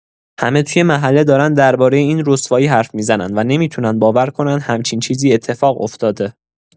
همه توی محله دارن درباره این رسوایی حرف می‌زنن و نمی‌تونن باور کنن همچین چیزی اتفاق افتاده.